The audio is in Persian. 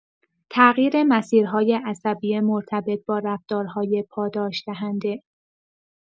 تغییر مسیرهای عصبی مرتبط با رفتارهای پاداش‌دهنده